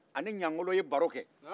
a ni ɲangolo ye baro kɛ